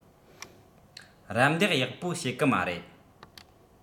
རམས འདེགས ཡག པོ བྱེད གི མ རེད